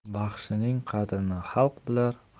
baxshining qadrini xalq bilar